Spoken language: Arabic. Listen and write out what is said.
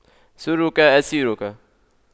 سرك أسيرك